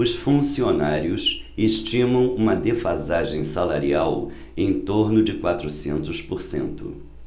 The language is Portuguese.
os funcionários estimam uma defasagem salarial em torno de quatrocentos por cento